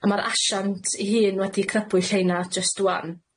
A ma'r asiant ei hun wedi crybwyll heina jyst ŵan.